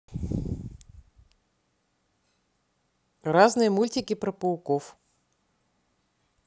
разные мультики про пауков